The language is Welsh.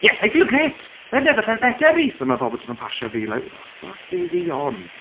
"Yes, I feel great! I've never felt better, Reece!" A ma' pobl jyst yn pasio fi, like "What the fuck is he on?"